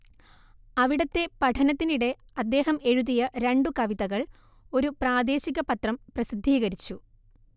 അവിടത്തെ പഠനത്തിനിടെ അദ്ദേഹം എഴുതിയ രണ്ടു കവിതകൾ ഒരു പ്രാദേശിക പത്രം പ്രസിദ്ധീകരിച്ചു